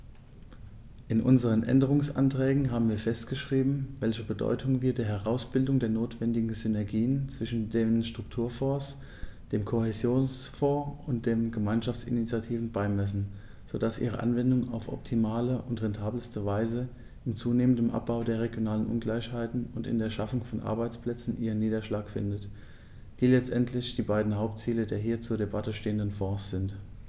In unseren Änderungsanträgen haben wir festgeschrieben, welche Bedeutung wir der Herausbildung der notwendigen Synergien zwischen den Strukturfonds, dem Kohäsionsfonds und den Gemeinschaftsinitiativen beimessen, so dass ihre Anwendung auf optimale und rentabelste Weise im zunehmenden Abbau der regionalen Ungleichheiten und in der Schaffung von Arbeitsplätzen ihren Niederschlag findet, die letztendlich die beiden Hauptziele der hier zur Debatte stehenden Fonds sind.